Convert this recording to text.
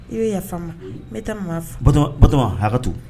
I bɛ yafa fa ma n bɛ taa batoma hakɛtu